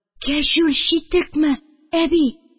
Кәҗүл читекме, әби